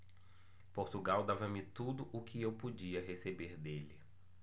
portugal dava-me tudo o que eu podia receber dele